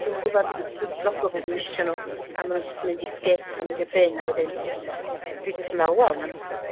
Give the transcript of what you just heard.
dw'm yn gobod jyst 'di lot o bobol ddim isio nw, a ma' nw jyst yn mynd i sgip a mynd i bin a wedyn dwi jyst yn me'wl wel ma' nw